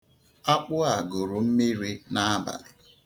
Akpu a gụrụ mmīrī n'abalị.